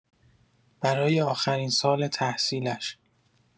برای آخرین سال تحصیلش